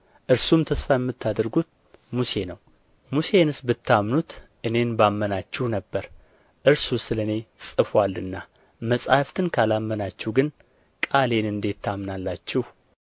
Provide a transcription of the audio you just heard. እርሱም ተስፋ የምታደርጉት ሙሴ ነው ሙሴንስ ብታምኑት እኔን ባመናችሁ ነበር እርሱ ስለ እኔ ጽፎአልና መጻሕፍትን ካላመናችሁ ግን ቃሌን እንዴት ታምናላችሁ